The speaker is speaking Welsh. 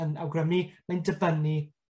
yn awgrymu mae'n dibynnu